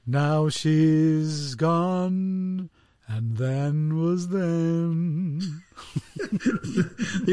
Now she's gone, and then was then.